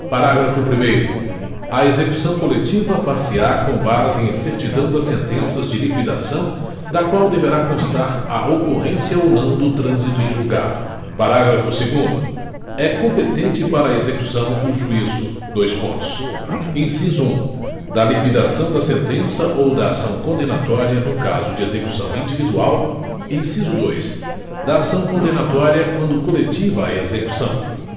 parágrafo primeiro a execução coletiva farse á com base em certidão das sentenças de liquidação da qual deverá constar a ocorrência ou não do trânsito em julgado parágrafo segundo é competente para a execução o juízo dois pontos inciso um da liquidação da sentença ou da ação condenatória no caso de execução individual inciso dois da ação condenatória quando coletiva a execução